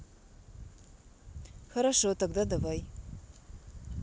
хорошо тогда давай